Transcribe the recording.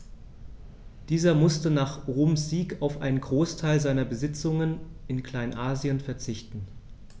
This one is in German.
Dieser musste nach Roms Sieg auf einen Großteil seiner Besitzungen in Kleinasien verzichten.